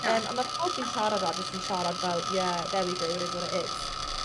Yym a ma' pawb ti'n siarad â jyst yn siarad fel yeah there we go it is what it is.